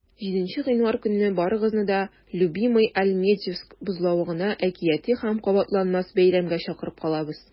7 гыйнвар көнне барыгызны да "любимыйальметьевск" бозлавыгына әкияти һәм кабатланмас бәйрәмгә чакырып калабыз!